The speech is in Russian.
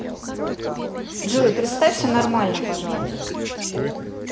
джой представься нормально пожалуйста